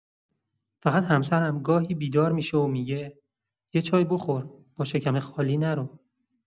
فقط همسرم گاهی بیدار می‌شه و می‌گه: «یه چای بخور، با شکم خالی نرو.»